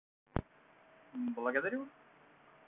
благодарю вас